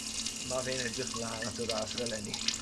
ma' fe'n edrych mlan at y ras 'ma leni.